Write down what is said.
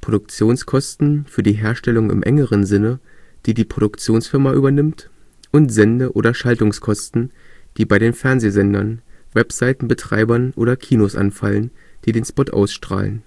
Produktionskosten für die Herstellung im engeren Sinne, die die Produktionsfirma übernimmt, und Sende - oder Schaltungskosten, die bei den Fernsehsendern, Webseitenbetreibern oder Kinos anfallen, die den Spot ausstrahlen